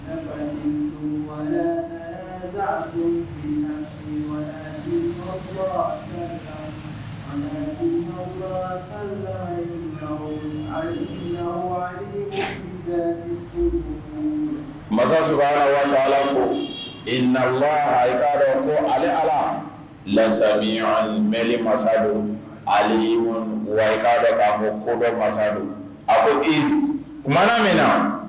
Masa saba ala ko i na ko ali ala lasa mɛn masasadu ali wa b'a fɔ ko masasadu a ko tumaumana min na